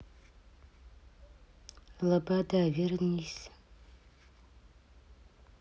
лобода вернись